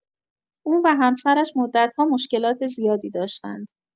او و همسرش مدت‌ها مشکلات زیادی داشتند.